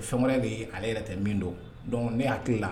Fɛn wɛrɛ de ye ale yɛrɛ tɛ min dɔn . Donc ne hakili la